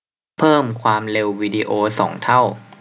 เพิ่มความเร็ววีดีโอสองเท่า